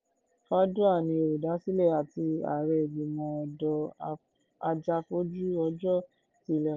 Fadoua ni olùdásílẹ̀ àti ààrẹ Ìgbìmọ̀ Ọ̀dọ́ Ajàfòjú-ọjọ́ ti ilẹ̀ Morocco.